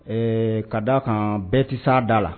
Ee ka d da a kan bɛɛ tɛsa da la